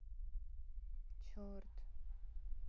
черт